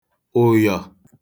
ụ̀yọ̀